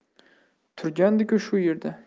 turgandi ku shu yerda